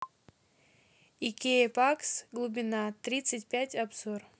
икея пакс глубина тридцать пять обзор